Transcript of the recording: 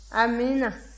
amiina